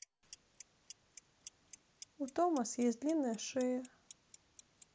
у thomas есть длинная шея